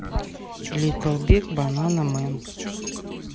литл биг банана мен